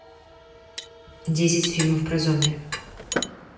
десять фильмов про зомби